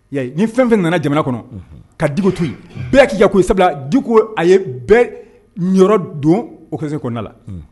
Ni fɛn fɛn nana jamana kɔnɔ ka dugutu yen bɛɛ k'i ka ko sabula duko a ye bɛɛ yɔrɔ don o kɛlense kɔnɔnada la